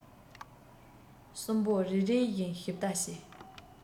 གསུམ པོ རེ རེ བཞིན ཞིབ ལྟ བྱས